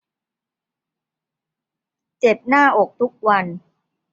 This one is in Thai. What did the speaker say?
เจ็บหน้าอกทุกวัน